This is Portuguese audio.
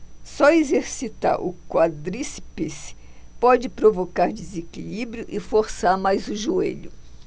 só exercitar o quadríceps pode provocar desequilíbrio e forçar mais o joelho